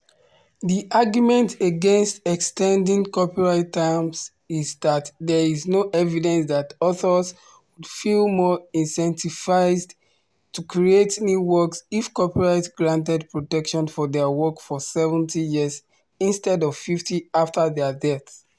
The argument against extending copyright terms is that there is no evidence that authors would feel more incentivised to create new works if copyright granted protection for their work for 70 years instead of 50 after their death.